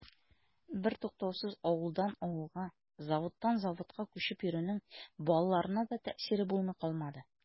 Бертуктаусыз авылдан авылга, заводтан заводка күчеп йөрүнең балаларына да тәэсире булмый калмады.